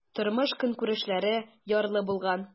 Тормыш-көнкүрешләре ярлы булган.